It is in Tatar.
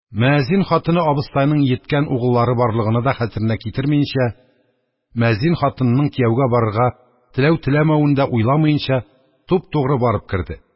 Мөәззин хатыны абыстайның йиткән угыллары барлыгыны да хәтеренә китермәенчә, мөәззин хатынының кияүгә барырга теләү-теләмәвене дә уйламаенча, туп-тугры барып керде.